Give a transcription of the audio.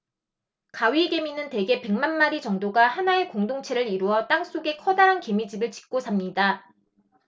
가위개미는 대개 백만 마리 정도가 하나의 공동체를 이루어 땅 속에 커다란 개미집을 짓고 삽니다